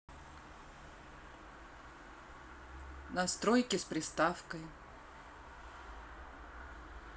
настройки с приставкой